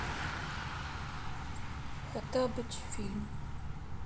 хоттабыч фильм